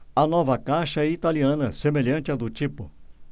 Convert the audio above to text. a nova caixa é italiana semelhante à do tipo